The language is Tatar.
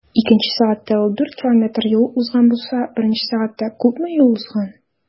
Икенче сәгатьтә ул 4 км юл узган булса, беренче сәгатьтә күпме юл узган?